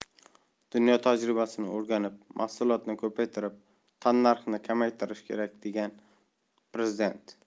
dunyo tajribasini o'rganib mahsulotni ko'paytirib tannarxni kamaytirish kerak degan prezident